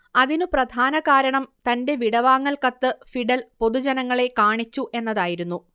അതിനു പ്രധാനകാരണം തന്റെ വിടവാങ്ങൽ കത്ത് ഫിഡൽ പൊതുജനങ്ങളെ കാണിച്ചു എന്നതായിരുന്നു